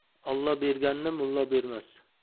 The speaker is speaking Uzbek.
olio berganni mullo bermas